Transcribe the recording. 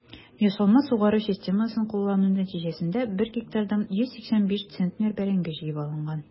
Ясалма сугару системасын куллану нәтиҗәсендә 1 гектардан 185 центнер бәрәңге җыеп алынган.